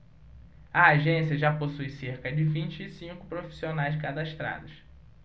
a agência já possui cerca de vinte e cinco profissionais cadastrados